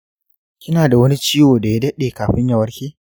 kina da wani ciwo da ya daɗe kafin ya warke?